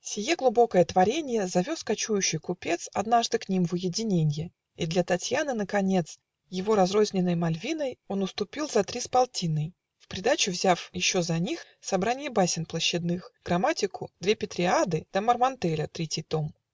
Сие глубокое творенье Завез кочующий купец Однажды к ним в уединенье И для Татьяны наконец Его с разрозненной "Мальвиной" Он уступил за три с полтиной, В придачу взяв еще за них Собранье басен площадных, Грамматику, две Петриады Да Мармонтеля третий том.